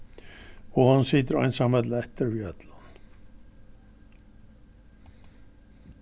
og hon situr einsamøll eftir við øllum